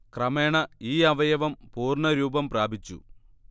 ക്രമേണ ഈ അവയവം പൂർണ്ണ രൂപം പ്രാപിച്ചു